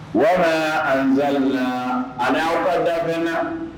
Wara an zan a' aw ba da na